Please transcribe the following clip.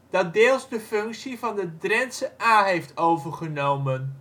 dat deels de functie van de Drentsche Aa heeft overgenomen